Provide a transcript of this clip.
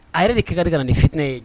A yɛrɛ de keri kan ni fitinɛ ye